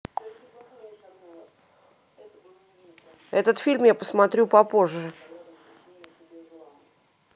этот фильм я посмотрю попозже